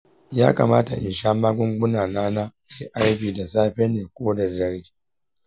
ya kamata in sha magungunana na arv da safe ne ko da dare?